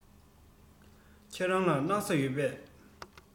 ཁྱེད རང ལ སྣག ཚ ཡོད པས